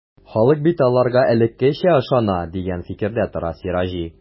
Халык бит аларга элеккечә ышана, дигән фикердә тора Сираҗи.